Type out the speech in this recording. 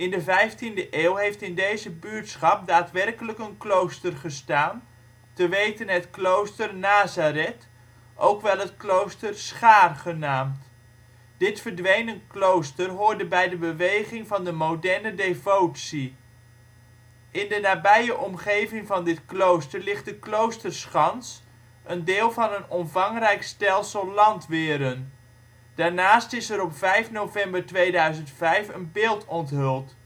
de vijftiende eeuw heeft in deze buurtschap daadwerkelijk een klooster gestaan, te weten het klooster Nazareth, ook wel het klooster Schaer genaamd. Dit verdwenen klooster hoorde bij de beweging van de Moderne Devotie. In de nabije omgeving van dit klooster ligt de Kloosterschans een deel van een omvangrijk stelsel landweren. Daarnaast is er op 5 november 2005 een beeld onthuld